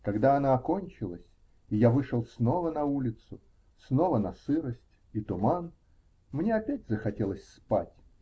Когда она окончилась и я вышел снова на улицу, снова на сырость и туман, мне опять захотелось спать.